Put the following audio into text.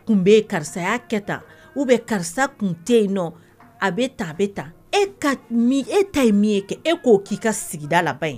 Tun bɛ yen karisaya kɛ tan u bɛ karisa kun tɛ yen nɔ a bɛ ta a bɛ ta e ta ye min ye kɛ e k'o k'i ka sigida laban ye